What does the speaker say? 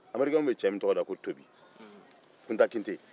amerikɛnw bɛ cɛ min tɔgɔ da ko tobi